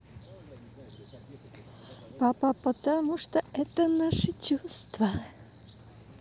папа потому что это наше чувство